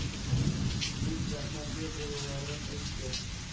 Бик рәхмәтле булуларын әйтте,